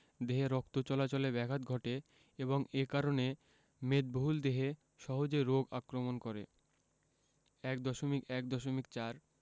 দেহে রক্ত চলাচলে ব্যাঘাত ঘটে এবং এ কারণে মেদবহুল দেহে সহজে রোগ আক্রমণ করে ১.১.৪